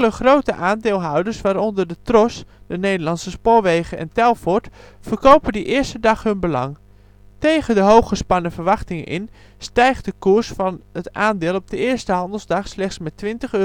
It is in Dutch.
grote aandeelhouders, waaronder de TROS, de Nederlandse Spoorwegen en Telfort verkopen die eerste dag hun belang. Tegen de hooggespannen verwachtingen in, stijgt de koers van het aandeel op de eerste handelsdag slechts met 20 eurocent